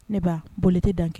Ne b'a boli tɛ dan kɛ